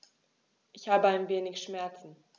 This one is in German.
Ich habe ein wenig Schmerzen.